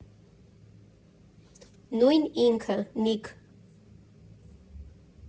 Նույն ինքը՝ Նիք։